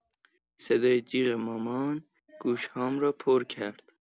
صدای جیغ مامان گوش‌هام رو پر کرد.